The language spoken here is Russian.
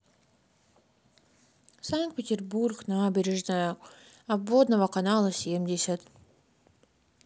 санкт петербург набережная обводного канала семьдесят